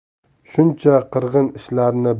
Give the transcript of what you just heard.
shuncha qirg'in ishlarni